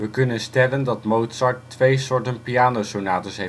kunnen stellen dat Mozart twee soorten pianosonates